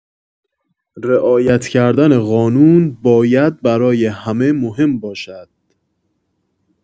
رعایت کردن قانون باید برای همه مهم باشد